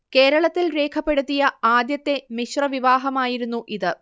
കേരളത്തിൽ രേഖപ്പെടുത്തിയ ആദ്യത്തെ മിശ്രവിവാഹമായിരുന്നു ഇത്